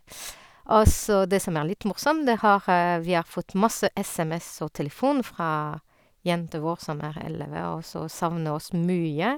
Og så det som er litt morsom, det har vi har fått masse SMS og telefon fra jenta vår som er elleve og så savner oss mye.